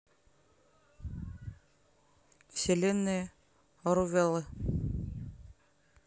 вселенная орувела